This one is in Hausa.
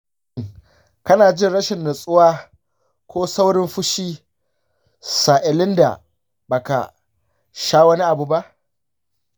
shin kana jin rashin natsuwa ko saurin fushi sa'ilin da baka sha wani abu ba?